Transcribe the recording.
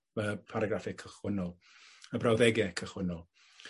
Y pharagraffe cychwynnol. Y brawddege cychwynno.